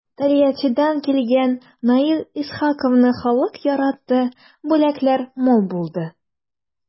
Тольяттидан килгән Наил Исхаковны халык яратты, бүләкләр мул булды.